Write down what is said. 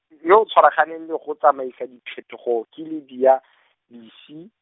yo o tshwaraganeng le go tsamaisa diphetogo ke Lydia , Bici.